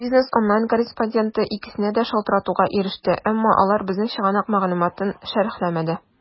"бизнес online" корреспонденты икесенә дә шалтыратуга иреште, әмма алар безнең чыганак мәгълүматын шәрехләмәде.